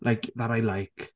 like, that I like...